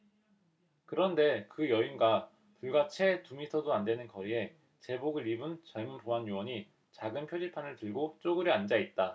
그런데 그 여인과 불과 채 두 미터도 안 되는 거리에 제복을 입은 젊은 보안 요원이 작은 표지판을 들고 쪼그려 앉아 있다